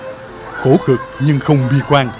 khổ cực nhưng không bi quan